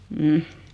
mm